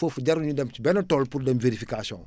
foofu jarul ñu dem ci benn tool pour dem vérification